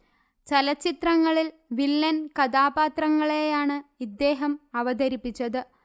ചലച്ചിത്രങ്ങളിൽ villain കഥാപാത്രങ്ങളെയാണ് ഇദ്ദേഹം അവതരിപ്പിച്ചത്